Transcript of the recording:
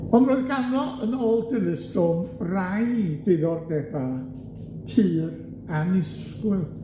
Ond roedd ganddo yn ôl rai diddordeba' pur annisgwyl.